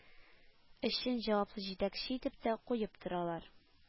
Өчен җаваплы җитәкче итеп тә куеп торалар